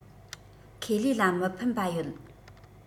ཁེ ལས ལ མི ཕན པ ཡོད